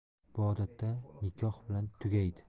bu odatda nikoh bilan tugaydi